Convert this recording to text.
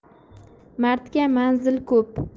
mardga manzil ko'p